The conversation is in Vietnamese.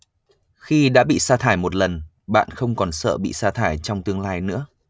khi đã bị sa thải một lần bạn không còn sợ bị sa thải trong tương lai nữa